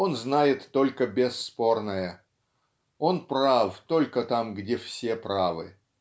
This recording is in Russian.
Он знает только бесспорное; он прав только там, где все правы.